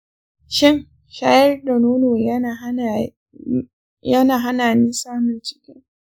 shin shayar da nono yaana hana ni samun ciki?